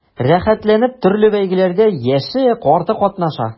Рәхәтләнеп төрле бәйгеләрдә яше-карты катнаша.